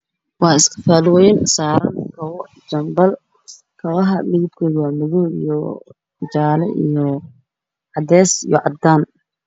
Waa iskifaal weyn oo saran kabo janbal midab koodu waa cadaan